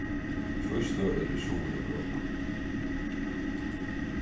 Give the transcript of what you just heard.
trý sløg eru í suðureuropa